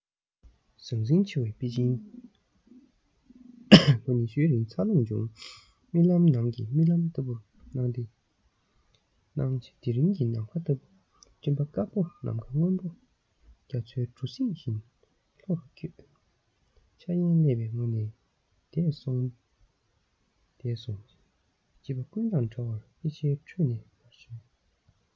ཟང ཟིང ཆེ བའི པེ ཅིན ལོ ཉི ཤུའི རིང འཚར ལོངས བྱུང རྨི ལམ ནང གི རྨི ལམ ལྟ བུར སྣང དེ རིང གི ནམ མཁའ ལྟ བུ སྤྲིན པ དཀར པོ ནམ མཁའ སྔོན པོ རྒྱ མཚོའི གྲུ གཟིངས བཞིན ལྷོ རུ བསྐྱོད འཆར ཡན ཀླད པའི ངོས ནས འདས སོང བྱིས པ ཀུན དང འདྲ བར དཔེ ཆའི ཁྲོད ནས ནར སོན